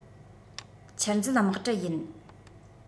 ཆུར འཛུལ དམག གྲུ ཡིན